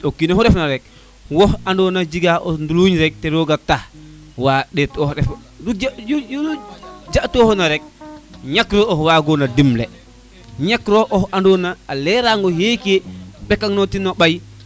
o kino xu ref na rek wo fe ando na jega o nduluñ rek to roga taxwa ɗet oxe ref yu ja toox na rek ñakiro oxe wagona dimle ñakiro oxe andon na a lerang o xeke ɓekano ti o ɓay